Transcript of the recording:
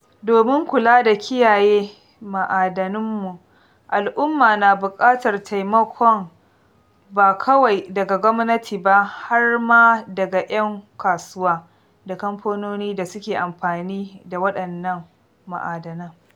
Domin kula da kiyaye ma'adananmu, al'umma na buƙatar taimakon ba kawai daga gwamnati ba har ma daga 'yan kasuwa da kamfanoni da suke amfani da waɗannan ma'adanan.